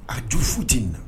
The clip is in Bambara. A ju futa ten in na